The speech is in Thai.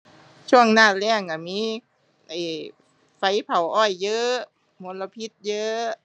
ช่วงหน้าแล้งก็มี ไอ้ ไฟเผาอ้อยเยอะ มลพิษเยอะ